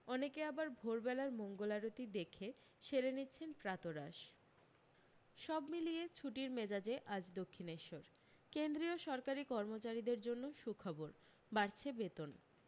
অনেকে আবার ভোরবেলার মঙ্গলারতি দেখে সেরে নিচ্ছেন প্রাতরাশ সব মিলিয়ে ছুটির মেজাজে আজ দক্ষিণেশ্বর কেন্দ্রীয় সরকারী কর্মচারীদের জন্য সুখবর বাড়ছে বেতন